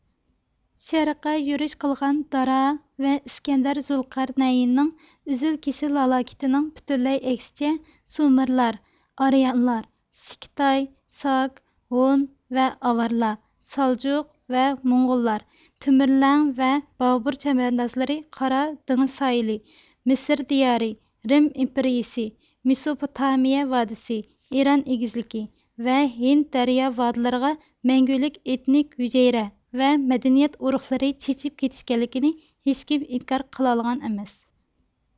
شەرققە يۈرۈش قىلغان دارا ۋە ئىسكەندەر زۇلقەر نەيىننىڭ ئۈزۈل كېسىل ھالاكىتىنىڭ پۈتۈنلەي ئەكسىچە سۇمېرلار ئارىئانلار سىكىتاي ساك ھون ۋە ئاۋارلار سالجۇق ۋە موڭغۇللار تېمۈرلەڭ ۋە بابۇر چەۋەندازلىرى قارا دېڭىز ساھىلى مىسىر دىيارى رىم ئىمپېرىيىسى مىسۇپۇتامىيە ۋادىسى ئىران ئېگىزلىكى ۋە ھىند دەريا ۋدىلىرىغا مەڭگۈلۈك ئېتنىك ھۈجەيرە ۋە مەدەنىيەت ئۇرۇقلىرى چېچىپ كېتىشكەنلىكىنى ھېچكىم ئىنكار قىلالىغان ئەمەس